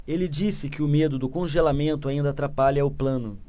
ele disse que o medo do congelamento ainda atrapalha o plano